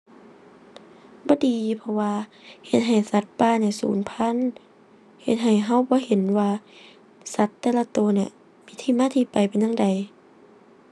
บ่ดี เพราะว่าเฮ็ดให้สัตว์ป่าเนี่ยสูญพันธุ์ เฮ็ดให้เราบ่เห็นว่า สัตว์แต่ละเราเนี่ยมีที่มาที่ไปเป็นจั่งใด